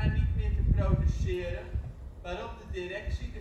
niet meer te produceren, waarop de directie